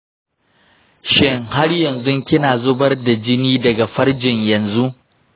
shin har yanzu kina zubar da jini daga farji yanzu?